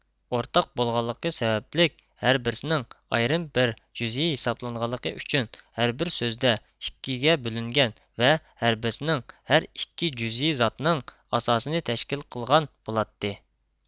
ئورتاق بولغانلىقى سەۋەبلىك ھەر بىرسىنىڭ ئايرىم بىر جۈزئىي ھېسابلانغانلىقى ئۈچۈن ھەر بىر سۆزدە ئىككىگە بۆلۈنگەن ۋە ھەر بىرسىنىڭ ھەر ئىككى جۇزئى زاتىنىڭ ئاساسىنى تەشكىل قىلغان بولاتتى